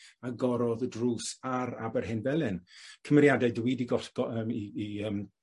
Agorodd y drws ar Aberhenfelen cymeriade dwi 'di gos- co- yym i i yym